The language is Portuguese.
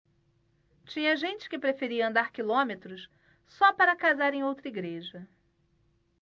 tinha gente que preferia andar quilômetros só para casar em outra igreja